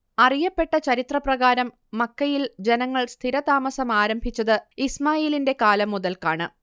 അറിയപ്പെട്ട ചരിത്രപ്രകാരം മക്കയിൽ ജനങ്ങൾ സ്ഥിരതാമസമാരംഭിച്ചത് ഇസ്മാഈലിന്റെ കാലം മുതൽക്കാണ്